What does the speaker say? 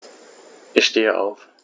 Ich stehe auf.